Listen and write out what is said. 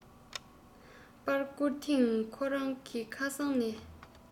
པར བསྐུར ཐེངས ཁོ རང གི ཁ སང ནས